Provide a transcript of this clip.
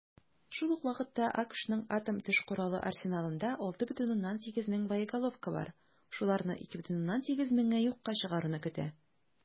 Шул ук вакытта АКШның атом төш коралы арсеналында 6,8 мең боеголовка бар, шуларны 2,8 меңе юкка чыгаруны көтә.